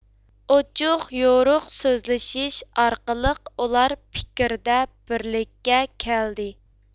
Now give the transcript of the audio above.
ئوچۇق يورۇق سۆزلىشىش ئارقىلىق ئۇلار پىكىردە بىرلىككە كەلدى